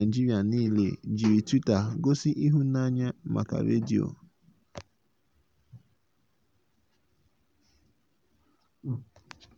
Iji mee emume ahụ, ndị ọrụ mgbasa ozi si na Naịjirịa niile jiri Twitter gosi ịhụnanya maka redio: